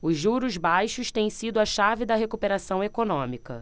os juros baixos têm sido a chave da recuperação econômica